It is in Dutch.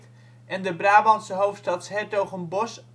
en de Brabantse hoofdstad ' s-Hertogenbosch